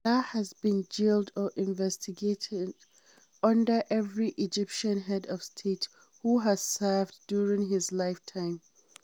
Alaa has been jailed or investigated under every Egyptian head of state who has served during his lifetime.